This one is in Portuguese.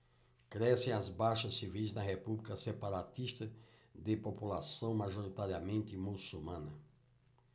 crescem as baixas civis na república separatista de população majoritariamente muçulmana